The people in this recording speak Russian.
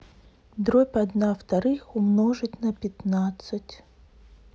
дробь одна вторых умножить на пятнадцать